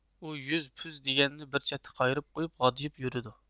ئۇ يۈز پۈز دېگەننى بىر چەتتە قايرىپ قويۇپ غادىيىپ يۈرۈيدۇ